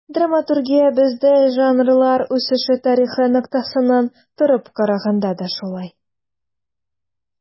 Драматургиябездә жанрлар үсеше тарихы ноктасынан торып караганда да шулай.